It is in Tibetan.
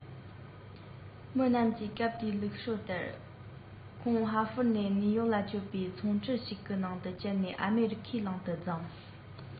མི རྣམས ཀྱིས སྐབས དེའི ལུགས སྲོལ ལྟར ཁོང ཧྭ ཧྥོར ནས ནེའུ ཡོག ལ སྐྱོད པའི ཚོང གྲུ ཞིག གི ནང དུ བསྐྱལ ནས ཨ མེ རི ཁའི གླིང དུ བརྫངས